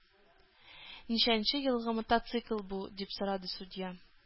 Ничәнче елгы мотоцикл бу? – дип сорады судья.